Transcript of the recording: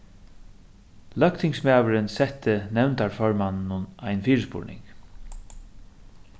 løgtingsmaðurin setti nevndarformanninum ein fyrispurning